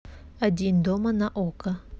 один дома на окко